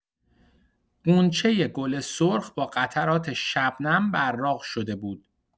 غنچه گل سرخ با قطرات شبنم براق شده بود.